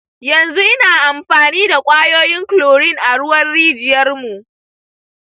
yanzu ina amfani da ƙwayoyin chlorine a ruwan rijiyarmu.